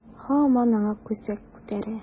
Һаман аңа күсәк күтәрә.